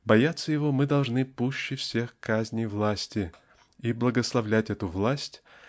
-- бояться его мы должны пуще всех казней власти и благословлять эту власть